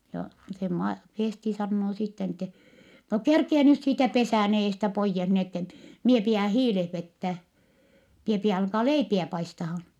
ja se - Festi sanoo sitten niin että no kerkiä nyt siitä pesän edestä pois niin että minä pidän hiilet vetää minä pidän alkaa leipiä paistamaan